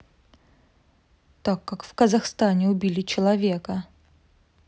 так как в казахстане убили человека